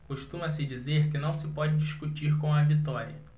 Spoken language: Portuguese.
costuma-se dizer que não se pode discutir com a vitória